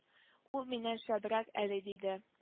Ул миннән шәбрәк әле диде